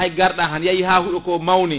hay garɗa tan yeehi ha huuɗoko mawni